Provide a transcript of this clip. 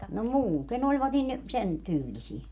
no muuten olivat niin sen tyylisiä